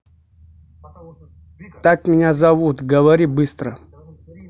так как меня зовут говори быстро